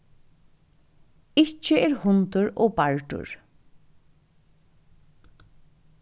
ikki er hundur ov bardur